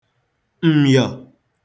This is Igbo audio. m̀yọ̀